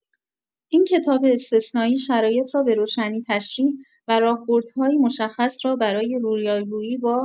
این کتاب استثنایی شرایط را به‌روشنی تشریح و راهبردهایی مشخص را برای رویارویی با